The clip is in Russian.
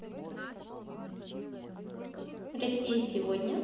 россия сегодня